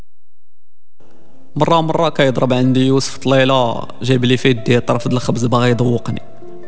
مره مره كان يضرب عند يوسف جيب لي فيديو طرف الخبز بغيض وغني